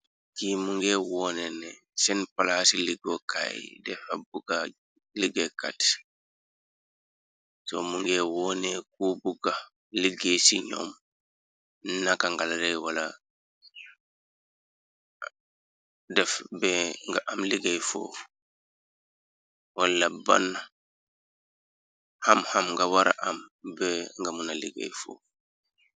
Ki mu nger woone ne seen palaasi liggookaay defa bu ga liggéeykat so mu nger woone kuu bu ga liggéey ci ñoom naka ngalarey wala def be nga am liggéey foo wala ban xam xam nga wara am be nga muna liggéey foo.